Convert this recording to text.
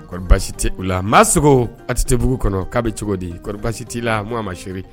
Ɔri basi tɛ u la maa sagogo ati tɛ bbugu kɔnɔ k'a bɛ cogo di kɔrɔɔri basi t'i la mɔgɔ ma siri